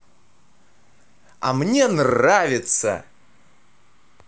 а мне нравится